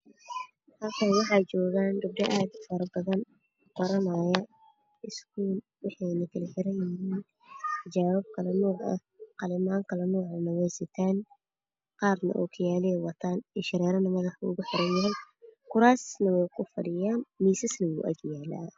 Halkaan waxaa joogo gabdho aad u faro badan oo baranayo iskuul waxay xiran yihiin xijaabo kale nuuc ah qalimaan kale nuuc ahna way sitaan. Qaarna ookiyaalo ayay wataan indho shareero ayaa madaxa ugu xiran. Kuraasna way kufadhiyaan miisasna way agyaalaan.